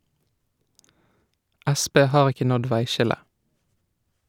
Sp har ikke nådd veiskillet.